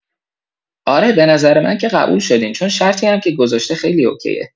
آره به نظر من که قبول شدین چون شرطی هم که گذاشته خیلی اوکیه